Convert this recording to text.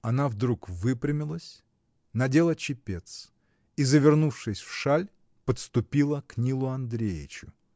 Она вдруг выпрямилась, надела чепец и, завернувшись в шаль, подступила к Нилу Андреичу.